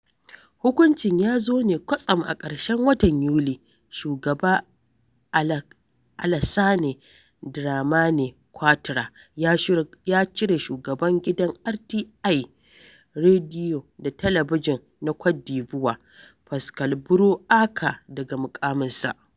Hukuncin ya zo ne kwatsam a ƙarshen watan Yuli: Shugaba Alassane Dramane Ouattara ya cire Shugaban gidan RTI (Rediyo da Talabijin na Côte d'Ivoire), Pascal Brou Aka daga muƙaminsa.